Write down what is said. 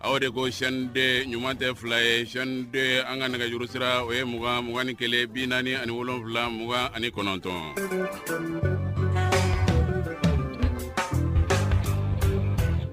O de ko sinan de ɲuman tɛ fila ye s de an ka nɛgɛjuru sira o ye 2ugan 2 ni kɛlɛ bin naani anifila 2ugan ani kɔnɔntɔn